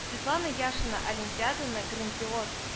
Светлана Яшина олимпиаданы грандиоз